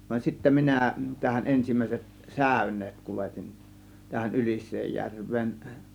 vaan sitten minä tähän ensimmäiset säyneet kuljetin tähän Ylisenjärveen